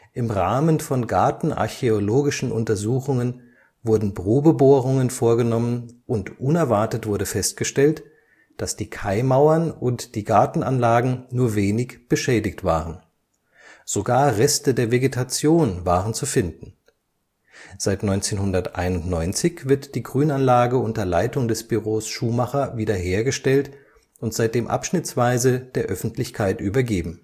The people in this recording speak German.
Im Rahmen von gartenarchäologischen Untersuchungen wurden Probebohrungen vorgenommen, und unerwartet wurde festgestellt, dass die Kaimauern und die Gartenanlagen nur wenig beschädigt waren; sogar Reste der Vegetation waren zu finden. Seit 1991 wird die Grünanlage unter Leitung des Büros Schumacher wieder hergestellt und seitdem abschnittsweise der Öffentlichkeit übergeben